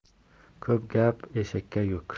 ko'p gap eshakka yuk